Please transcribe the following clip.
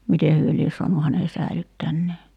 miten he lie saanut hänen säilyttäneet